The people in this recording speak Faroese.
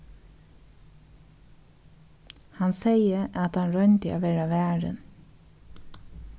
hann segði at hann royndi at vera varin